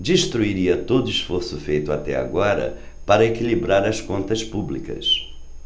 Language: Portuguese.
destruiria todo esforço feito até agora para equilibrar as contas públicas